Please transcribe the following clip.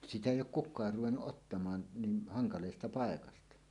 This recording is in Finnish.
sitä ei ole kukaan ruvennut ottamaan niin hankalasta paikasta